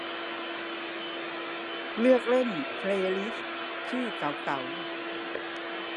เลือกเล่นเพลย์ลิสต์ชื่อเก๋าเก๋า